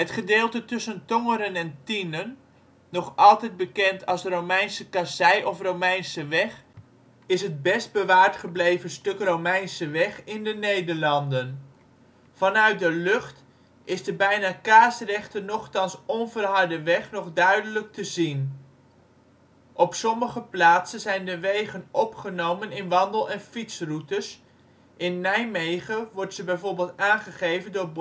gedeelte tussen Tongeren en Tienen, nog altijd bekend als ' Romeinse Kassei ' of ' Romeinse Weg ', is het best bewaard gebleven stuk Romeinse weg in de Nederlanden. Vanuit de lucht is de bijna kaarsrechte, nochtans onverharde weg nog duidelijk te zien (zie De Romeinse Kassei vanuit de lucht.). Op sommige plaatsen zijn de wegen opgenomen in wandel - en fietsroutes; in Nijmegen wordt ze bijvoorbeeld aangegeven door